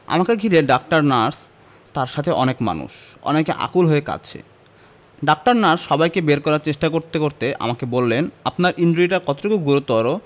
আমাকে ঘিরে doctor nurse তার সাথে অনেক মানুষ অনেকে আকুল হয়ে কাঁদছে ডাক্তার নার্স সবাইকে বের করার চেষ্টা করতে করতে আমাকে বললেন আপনার ইনজুরিটা কতটুকু গুরুতর